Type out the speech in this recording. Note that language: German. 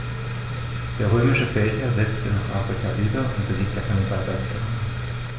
Der römische Feldherr setzte nach Afrika über und besiegte Hannibal bei Zama.